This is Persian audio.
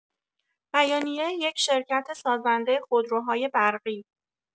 بیانیه یک شرکت سازنده خودروهای برقی